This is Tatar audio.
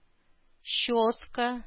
Щетка